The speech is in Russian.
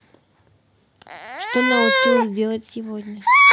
что научилась делать сегодня